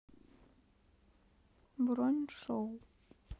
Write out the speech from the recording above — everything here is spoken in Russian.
бронь show